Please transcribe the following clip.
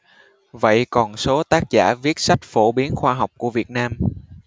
vậy còn số tác giả viết sách phổ biến khoa học của việt nam